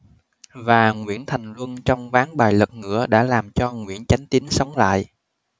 và nguyễn thành luân trong ván bài lật ngửa đã làm cho nguyễn chánh tín sống lại